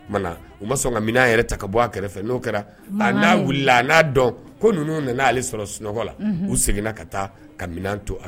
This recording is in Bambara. U ma sɔn ka minɛn yɛrɛ ta ka bɔ a kɛrɛfɛ n'o kɛra n' wulila n'a dɔn ko ninnu nana'ale sɔrɔ sunɔgɔ la u seginna ka taa ka minɛn to a